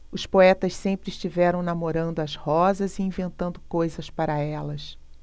os poetas sempre estiveram namorando as rosas e inventando coisas para elas